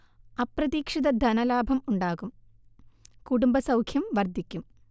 അപ്രതീക്ഷിത ധനലാഭം ഉണ്ടാകും കുടുംബസൗഖ്യം വർധിക്കും